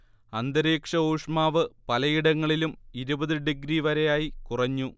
അന്തരീക്ഷഊഷ്മാവ് പലയിടങ്ങളിലും ഇരുപത് ഡിഗ്രി വരെയായി കുറഞ്ഞു